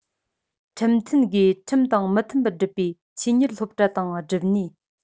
ཁྲིམས མཐུན སྒོས ཁྲིམས དང མི མཐུན པར སྒྲུབ པའི ཆོས གཉེར སློབ གྲྭ དང སྒྲུབ གནས